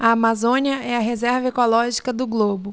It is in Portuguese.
a amazônia é a reserva ecológica do globo